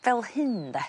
fel hyn 'de.